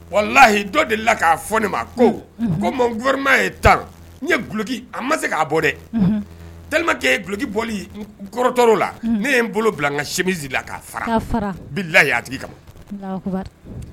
Wa lahiyi dɔ de la k'a fɔ ne ma koma ye tan n ye gloki a ma se k'a bɔ dɛkɛ ye duloki bɔ kɔrɔtɔ la ne ye n bolo bila n ka se la k'a layi a tigi kama